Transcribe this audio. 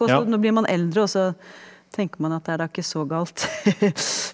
også blir man eldre også tenker man at det er da ikke så galt .